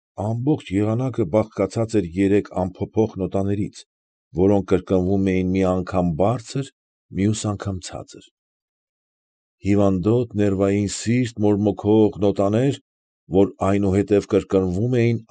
Ամբողջ եղանակը բաղկացած էր երեք անփոփոխ նոտաներից, որ կրկնվում էին մի անգամ բարձր, մյուս անգամ ցածր, հիվանդոտ, ներվային, սիրտ, մորմոքող նոտաներ, որ այնուհետև կրկնվում էին։